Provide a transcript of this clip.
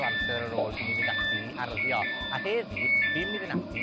o amser ar ôl i ni fynd ati i arddio. A heddi, fi myn' i fynd ati